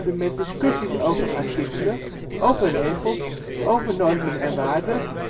met discussies, over artikelen, over regels, over normen en waarden